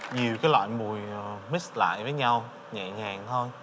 nhiều cái loại mùi mích lại với nhau nhẹ nhàng thôi